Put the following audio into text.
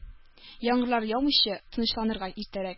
Яңгырлар яумыйча, тынычланырга иртәрәк